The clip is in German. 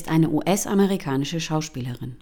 Minnesota) ist eine US-amerikanische Schauspielerin